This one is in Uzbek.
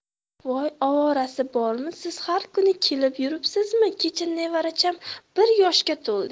voy ovorasi bormi siz har kuni kelib yuribsizmi kecha nevaracham bir yoshga to'ldi